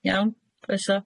Iawn, croeso.